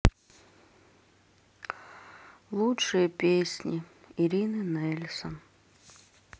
лучшие песни ирины нельсон